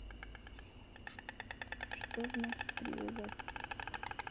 что значит привязать